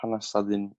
hanes a 'dyn